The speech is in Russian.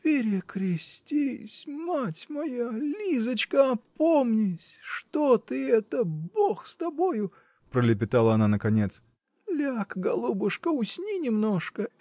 -- Перекрестись, мать моя, Лизочка, опомнись, что ты это, бог с тобою, -- пролепетала она наконец, -- ляг, голубушка, усни немножко